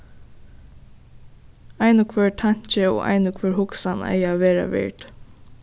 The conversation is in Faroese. ein og hvør tanki og ein og hvør hugsan eiga at verða vird